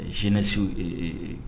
Zɛsi